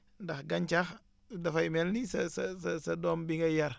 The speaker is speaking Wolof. ndax gàncax dafay mel ni sa sa sa sa doom bi nga yar